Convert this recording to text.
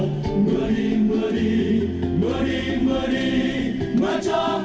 mưa đi mưa đi mưa đi mưa đi mưa cho